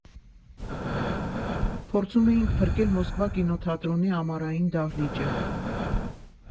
Փորձում էինք փրկել «Մոսկվա» կինոթատրոնի ամառային դահլիճը։